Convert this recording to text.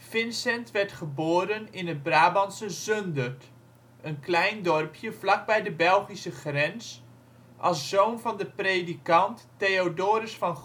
Vincent werd geboren in het Brabantse Zundert, een klein dorpje vlakbij de Belgische grens, als zoon van de predikant Theodorus van